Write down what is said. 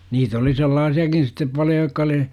niitä oli sellaisiakin sitten paljon jotka oli